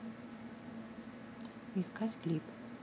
искать клип